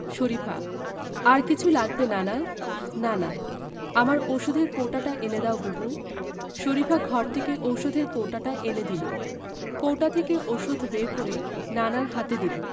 শরিফা আর কিছু লাগবে নানা নানা আমার ঔষধের কৌটাটা এনে দাও বুবু শরিফা ঘর থেকে ঔষধের কৌটাটা এনে দিল কৌটা থেকে ঔষধ বের করে নানার হাতে দিল